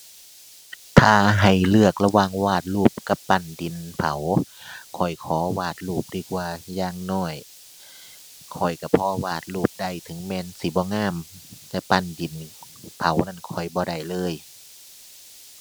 ถ้าให้เลือกระหว่างวาดรูปกับปั้นดินเผา ข้อยขอวาดรูปดีกว่า อย่างน้อยข้อยก็พอวาดรูปได้ถึงแม้นสิบ่งาม แต่ปั้นดินเผานั่นข้อยบ่ได้เลย